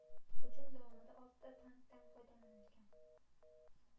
hujum davomida oltita tankdan foydalanilgan